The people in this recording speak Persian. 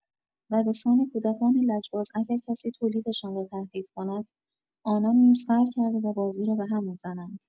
و بسان کودکان لجباز اگر کسی تولیدشان را تهدید کند آنان نیز قهر کرده و بازی را بهم می‌زنند.